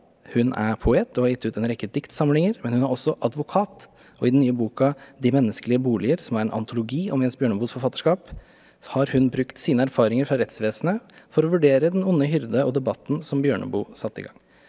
hun er poet og har gitt ut en rekke diktsamlinger, men hun er også advokat, og i den nye boka De menneskelige boliger som er en antologi om Jens Bjørneboes forfatterskap har hun brukt sine erfaringer fra rettsvesenet for å vurdere Den onde hyrde og debatten som Bjørneboe satte i gang.